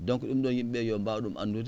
donc ɗum ɗoon yimɓe ɓee yo mbaaw ɗum anndude